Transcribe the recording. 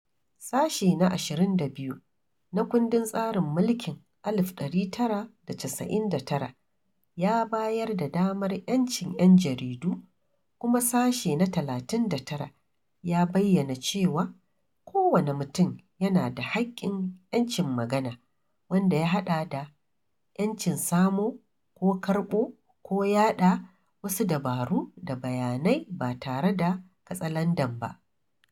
Sashe na 22 na kundin tsarin mulkin 1999 ya bayar da damar 'yancin 'yan jarida kuma Sashe na 39 ya bayyana cewa "kowane mutum yana da haƙƙin 'yancin magana, wanda ya haɗa da 'yancin samo ko karɓar ko yaɗa wasu dabaru da bayanai ba tare da katsalandan ba..."